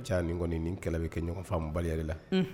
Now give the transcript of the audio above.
Ca ni kɔni ni kɛlɛ bɛ kɛ ɲɔgɔn fa bali la